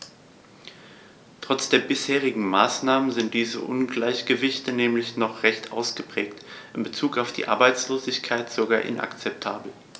Trotz der bisherigen Maßnahmen sind diese Ungleichgewichte nämlich noch recht ausgeprägt, in bezug auf die Arbeitslosigkeit sogar inakzeptabel.